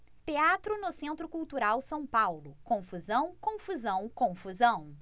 teatro no centro cultural são paulo confusão confusão confusão